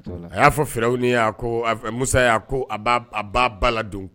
A y'a fɔ fɛrɛw musa' ko a ba ba ladon